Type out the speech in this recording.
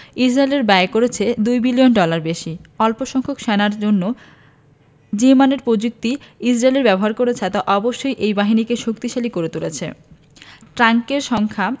Israel ব্যয় করছে ২ billion dollar বেশি অল্পসংখ্যক সেনার জন্য যে মানের প্রযুক্তি ইসরায়েল ব্যবহার করছে তা অবশ্যই এই বাহিনীকে শক্তিশালী করে তুলছে ট্যাংকের সংখ্যা